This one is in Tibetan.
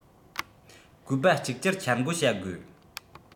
དགོས པ གཅིག གྱུར འཆར འགོད བྱ དགོས